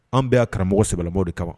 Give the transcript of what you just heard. An bɛɛ yan karamɔgɔ sɛbɛlamaw de kama